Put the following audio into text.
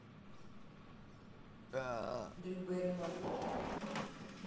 дрю бэрримор